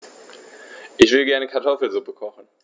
Ich will gerne Kartoffelsuppe kochen.